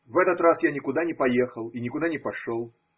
В этот раз я никуда не поехал и никуда не пошел.